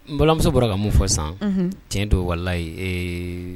N balimanmuso bɔra ka mun fɔ sisan Unhun tiɲɛ don walayi. Ee